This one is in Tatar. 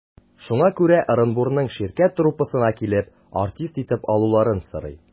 Шуңа күрә Ырынбурның «Ширкәт» труппасына килеп, артист итеп алуларын сорый.